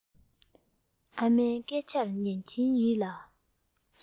ཨ མའི སྐད ཆར ཉན གྱིན ཡིད ལ